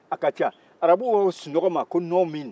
a ka ca arabuw ko sunɔgɔ ma ko nɔɔmin